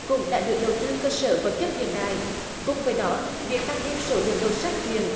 cũng đã được đầu tư cơ sở vật chất hiện đại cùng với đó việc tăng thêm số lượng đầu sách truyện